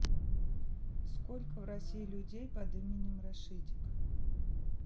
сколько в россии людей под именем рашидик